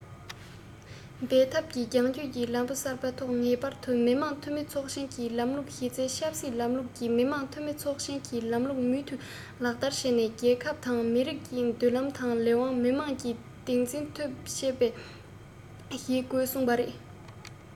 འབད འཐབ ཀྱི རྒྱང སྐྱོད ལམ བུ གསར པའི ཐོག ངེས པར དུ མི དམངས འཐུས མི ཚོགས ཆེན གྱི ལམ ལུགས ཀྱི གཞི རྩའི ཆབ སྲིད ལམ ལུགས ཀྱི མི དམངས འཐུས མི ཚོགས ཆེན གྱི ལམ ལུགས མུ མཐུད ལག བསྟར བྱས ནས རྒྱལ ཁབ དང མི རིགས ཀྱི མདུན ལམ དང ལས དབང མི དམངས ཀྱིས སྟངས འཛིན ཐུབ པ བྱེད དགོས ཞེས གསུངས པ རེད